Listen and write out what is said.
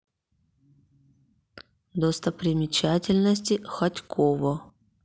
достопримечательности хотьково